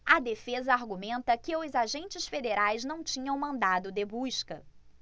a defesa argumenta que os agentes federais não tinham mandado de busca